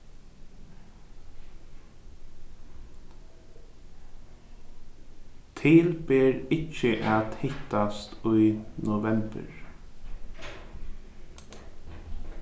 til ber ikki at hittast í novembur